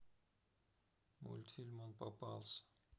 мультфильм он попался